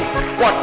qua